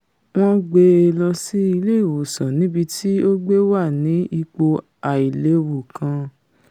Wọ́n gbé e lọsí ilé-ìwòsàn níbití ó gbé wà ní ipò ''àìléwu'' kan.